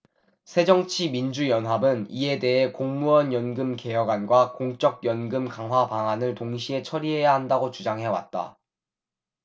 새정치민주연합은 이에 대해 공무원연금 개혁안과 공적연금 강화방안을 동시에 처리해야 한다고 주장해왔다